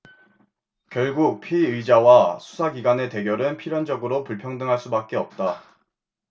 결국 피의자와 수사기관의 대결은 필연적으로 불평등할 수밖에 없다